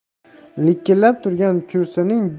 liqillab turgan kursining